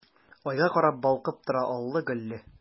Айга карап балкып тора аллы-гөлле!